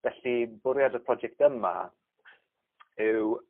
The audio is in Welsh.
felly bwriad y project yma yw